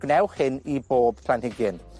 Gwnewch hyn i bob planhigyn.